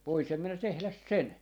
voisin minä tehdä sen